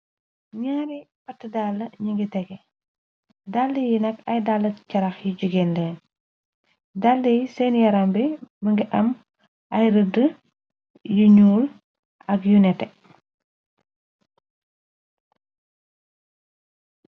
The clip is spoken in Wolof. Ñaari pati daale ñi ngi tege, daale yi nak ay daale carax yu jigéen leen, daale yi seeni yaram bi, mingi am ay rëdd yu ñuul, ak yu nete.